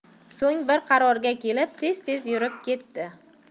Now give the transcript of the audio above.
so'ng bir qarorga kelib tez tez yurib ketdi